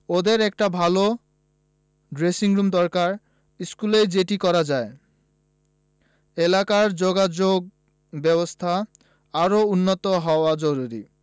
ওদের একটা ভালো ড্রেসিংরুম দরকার স্কুলেই যেটি করা যায় এলাকার যোগাযোগব্যবস্থা আরও উন্নত হওয়া জরুরি